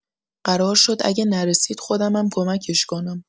قرار شد اگه نرسید خودمم کمکش کنم.